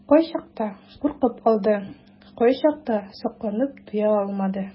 Кайчакта куркып калды, кайчакта сокланып туя алмады.